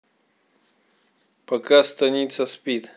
пока станица спит